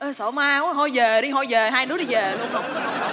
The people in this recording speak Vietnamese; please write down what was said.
ơ sợ ma quá à thôi dề đi thôi dề hai đứa đi dề luôn